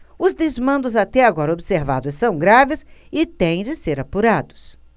os desmandos até agora observados são graves e têm de ser apurados